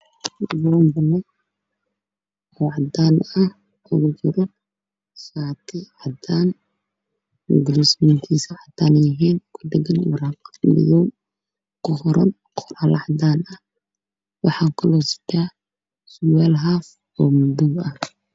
Waa shaati caddaan ah oo bombal ku jiro